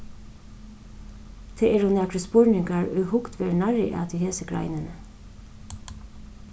tað eru nakrir spurningar ið hugt verður nærri at í hesi greinini